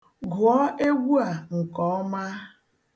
Gụọ egwu a nkeọma.